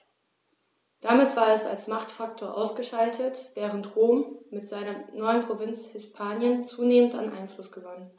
Damit war es als Machtfaktor ausgeschaltet, während Rom mit seiner neuen Provinz Hispanien zunehmend an Einfluss gewann.